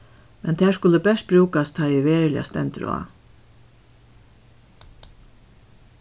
men tær skulu bert brúkast tá ið veruliga stendur á